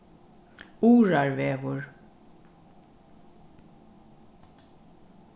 urðarvegur